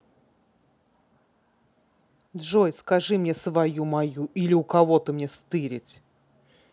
джой скажи мне свою мою или у кого то мне стырить